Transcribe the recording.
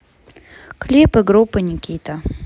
клипы группы никита